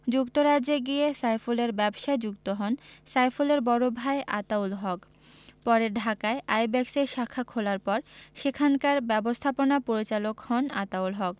যুক্তরাজ্যে গিয়ে সাইফুলের ব্যবসায় যুক্ত হন সাইফুলের বড় ভাই আতাউল হক পরে ঢাকায় আইব্যাকসের শাখা খোলার পর সেখানকার ব্যবস্থাপনা পরিচালক হন আতাউল হক